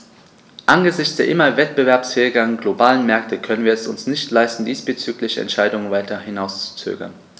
Angesichts der immer wettbewerbsfähigeren globalen Märkte können wir es uns nicht leisten, diesbezügliche Entscheidungen weiter hinauszuzögern.